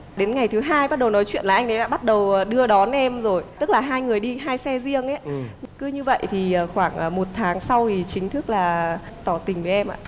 đến ngày thứ hai bắt đầu nói chuyện là anh ấy đã bắt đầu đưa đón em rồi tức là hai người đi hai xe riêng ấy cứ như vậy thì khoảng một tháng sau thì chính thức là tỏ tình với em ạ